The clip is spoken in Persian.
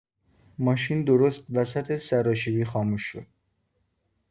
ماشین درست وسط سراشیبی خاموش شد.